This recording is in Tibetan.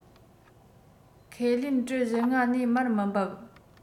ཁས ལེན གྲི བཞི ལྔ ནས མར མི འབབ